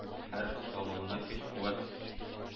Һәр чалымында көч-куәт